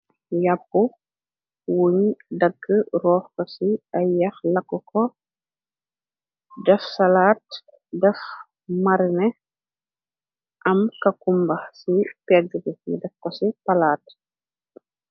Yàppu wuñ dagg roof ko ci ay yah laku ko. Def salaat, def marnè, am kakumba ci pegg bi nu def ko ci palaat.